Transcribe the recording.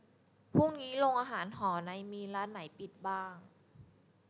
พรุ่งนี้โรงอาหารหอในมีร้านไหนปิดบ้าง